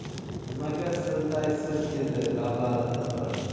nimaga siltaysiz dedi lablari pirpirab